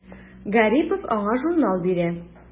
Гарипов аңа журнал бирә.